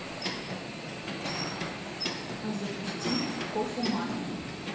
запусти кофеманию